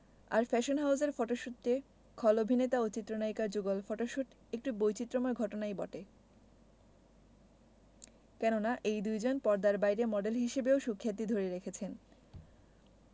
আর fashion হাউজের ফটোশুটে খল অভিনেতা ও চিত্রনায়িকার যুগল ফটোশুট একটু বৈচিত্রময় ঘটনাই বটে কেননা এই দুইজন পর্দার বাইরে মডেল হিসেবেও সুখ্যাতি ধরে রেখেছেন